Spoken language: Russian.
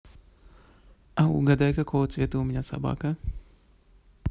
а угадай какого цвета у меня собака